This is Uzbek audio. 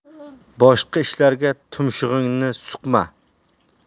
boshqa ishlarga tumshug'ingni suqma